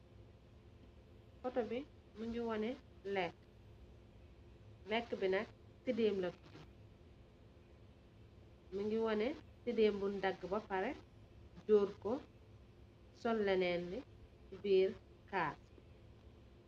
Photo bi mu ngi waneh lekue, lekue bi nak sidem la tudu, mu ngi waneh sidem bung dague ba pareh jorr ko, sol lenen li si birr kala.